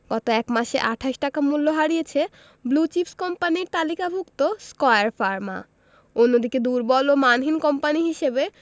গত এক মাসে ২৮ টাকা মূল্য হারিয়েছে ব্লু চিপস কোম্পানির তালিকাভুক্ত স্কয়ার ফার্মা অন্যদিকে দুর্বল ও মানহীন কোম্পানি হিসেবে